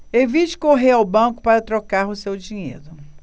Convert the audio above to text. evite correr ao banco para trocar o seu dinheiro